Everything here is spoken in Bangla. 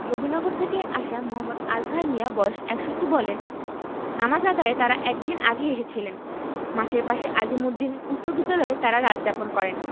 নবীনগর থেকে আসা মো. আজহার মিয়া বয়স ৬১ বলেন নামাজ আদায়ে তাঁরা এক দিন আগেই এসেছিলেন মাঠের পাশে আজিমুদ্দিন উচ্চবিদ্যালয়ে তাঁরা রাত যাপন করেন